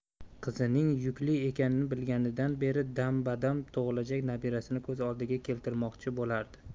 qizining yukli ekanini bilganidan beri dam badam tug'ilajak nabirasini ko'z oldiga keltirmoqchi bo'lardi